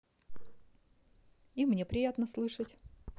и мне приятно слышать